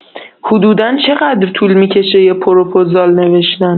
حدودا چقدر طول می‌کشه یه پروپوزال نوشتن؟